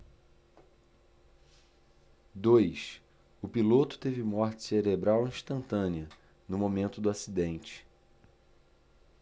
dois o piloto teve morte cerebral instantânea no momento do acidente